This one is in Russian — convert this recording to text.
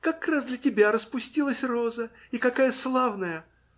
- Как раз для тебя распустилась роза, и какая славная!